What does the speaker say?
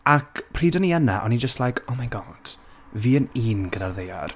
Ac pryd o'n i yna, o'n i jyst like, oh my god, fi yn un gyda'r ddaear.